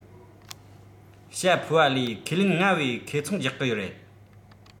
ཤྭ ཕོ བ ལས ཁས ལེན སྔར བས ཁེ ཚོང རྒྱག གི རེད